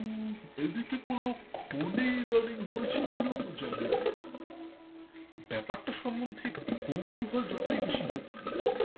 এদিকে কোন খনি ইদানিং হয়েছে বলেও তো জানিনা ব্যাপারটা সম্বন্ধে কৌতূহল যতই বেশি হোক